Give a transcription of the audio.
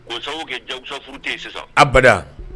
Ko sababu kɛ jagosaf furute yen sisan a ba